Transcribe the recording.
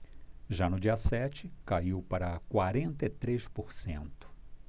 já no dia sete caiu para quarenta e três por cento